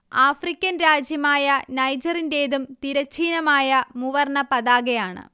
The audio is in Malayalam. ആഫ്രിക്കൻ രാജ്യമായ നൈജറിന്റേതും തിരശ്ചീനമായ മൂവർണ്ണ പതാകയാണ്